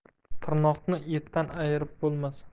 tirnoqni etdan ayirib bo'lmas